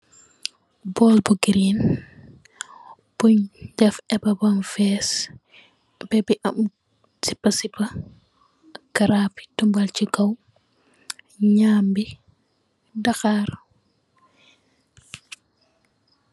Bole bu girin bun def ebbeh bam fess ebeh be am sepa sepa ak crape tubal che kaw nyabe daharr.